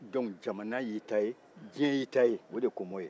dɔnc jamana y'i ta ye diɲɛ y'i ta o de ye komo ye